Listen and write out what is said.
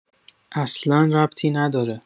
اصلا ربطی نداره.